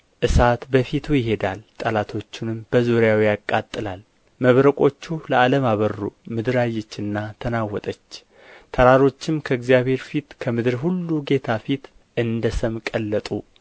እሳት በፊቱ ይሄዳል ጠላቶቹንም በዙሪያው ያቃጥላል መብረቆቹ ለዓለም አበሩ ምድር አየችና ተናወጠች ተራሮችም ከእግዚአብሔር ፊት ከምድር ሁሉ ጌታ ፊት እንደ ሰም ቀለጡ